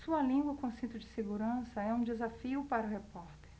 sua língua com cinto de segurança é um desafio para o repórter